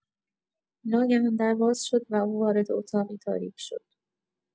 ناگهان در باز شد و او وارد اتاقی تاریک شد.